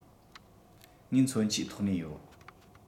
ངས མཚོན ཆའི ཐོག ནས ཡོད